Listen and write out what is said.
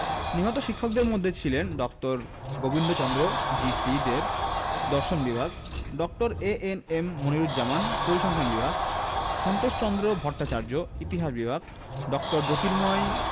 নিহত শিক্ষকদের মধ্যে ছিলেন ড. গোবিন্দচন্দ্র জি.সি দেব দর্শন বিভাগ ড. এ.এন.এম মনিরুজ্জামান পরিসংখান বিভাগ সন্তোষচন্দ্র ভট্টাচার্য ইতিহাস বিভাগ ড. জ্যোতির্ময়